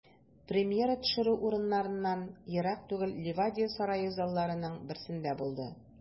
Премьера төшерү урыныннан ерак түгел, Ливадия сарае залларының берсендә булды.